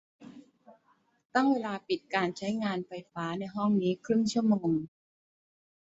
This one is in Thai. ตั้งเวลาปิดการใช้งานไฟฟ้าในห้องนี้ครึ่งชั่วโมง